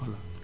voilà